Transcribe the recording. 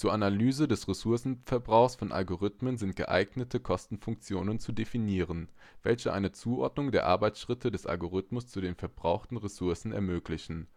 Analyse des Ressourcenverbrauchs von Algorithmen sind geeignete Kostenfunktionen zu definieren, welche eine Zuordnung der Arbeitsschritte des Algorithmus zu den verbrauchten Ressourcen ermöglichen